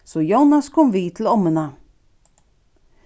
so jónas kom við til ommuna